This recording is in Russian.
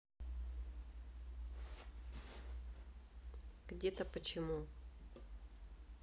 где то почему